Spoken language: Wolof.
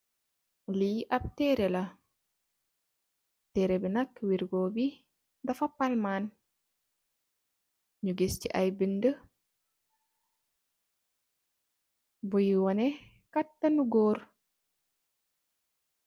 Lii nak ab tërre la, tërre bi nak wergoo bi dafa palmaan. Ñu gis si ay bindë, yuy wanne, kantanu Goor.